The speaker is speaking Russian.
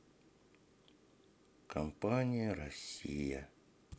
компания россия